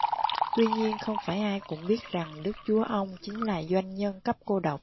tuy nhiên không phải ai cũng biết rằng đức chúa ông chính là doanh nhân cấp cô độc